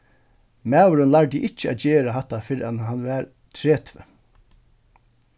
maðurin lærdi ikki at gera hatta fyrr enn hann var tretivu